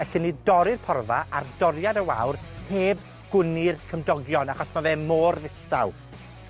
allen i dorri'r porfa a'r doriad y wawr heb gwni'r cymdogion, achos ma' fe mor ddistaw.